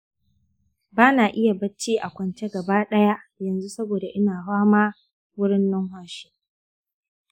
bana iya bacci a kwance gaba ɗaya yanzu saboda ina fama wurin numfashi.